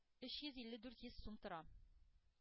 Өч йөз илле дүрт йөз сум тора.